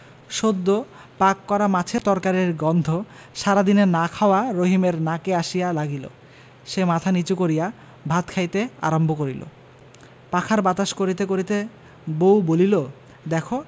সদ্য পাক করা মাছের তরকারির গন্ধ সারাদিনের না খাওয়া রহিমের নাকে আসিয়া লাগিল সে মাথা নীচু করিয়া ভাত খাইতে আরম্ভ করিল পাখার বাতাস করিতে করিতে বউ বলিল দেখ